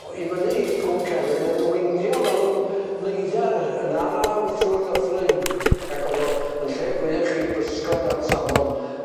o- i fyny i gwm Celyn yn wyndio fel neidar yn araf trw'r dyffryn ac o'dd o yn lle gwych i bysgod fel samon.